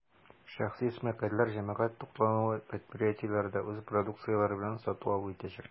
Шәхси эшмәкәрләр, җәмәгать туклануы предприятиеләре дә үз продукцияләре белән сату-алу итәчәк.